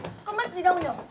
có mất gì đâu nhờ